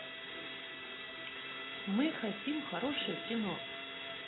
мы хотим хорошее кино